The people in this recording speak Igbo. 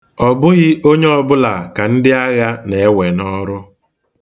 Ọ bụghị onye ọbụla ka ndị agha na-ewe n'ọrụ